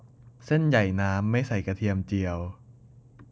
เส้นใหญ่น้ำไม่ใส่กระเทียมเจียว